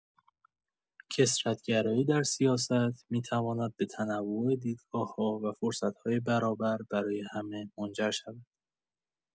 کثرت‌گرایی در سیاست می‌تواند به تنوع دیدگاه‌ها و فرصت‌های برابر برای همه منجر شود.